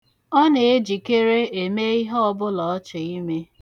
Ọ na-ejikere eme ihe ọbụla ọ chọ ime.